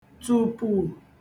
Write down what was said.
tụ̀pù